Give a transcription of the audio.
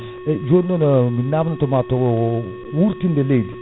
eyyi joni non mi namdotoma to wurtinde leydi